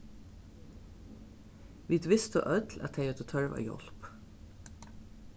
vit vistu øll at tey høvdu tørv á hjálp